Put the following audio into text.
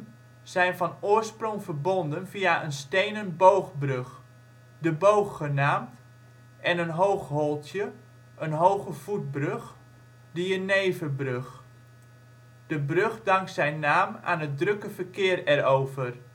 zijn van oorsprong verbonden via een stenen boogbrug, de Boog genaamd en een hoogholtje (een hoge voetbrug), de Jeneverbrug. De brug dankt zijn naam aan het drukke verkeer erover